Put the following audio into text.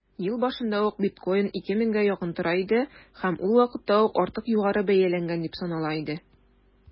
Ел башында ук биткоин 2 меңгә якын тора иде һәм ул вакытта ук артык югары бәяләнгән дип санала иде.